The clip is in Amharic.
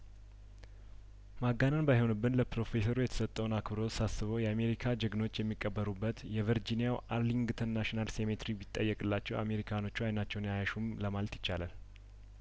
ማጋነን ባይሆንብን ለፕሮፌሰሩ የተሰጠውን አክብሮት ሳስበው የአሜሪካ ጀግኖች የሚቀብሩበት የቨርጂኒያው አር ሊንግተንናሽናል ሴሜ ተሪ ቢጠየቅላቸው አሜሪካኖቹ አይናቸውን አያሹም ለማለት ይቻላል